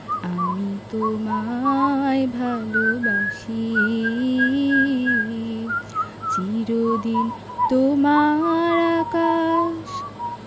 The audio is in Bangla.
আমি তোমায় ভালোবাসি চির দিন তোমার আকাশ